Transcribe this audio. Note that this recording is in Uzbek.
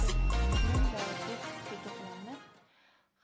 bis bis bismillo dedi duduqlanib